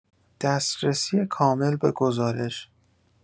دسترسی کامل به گزارش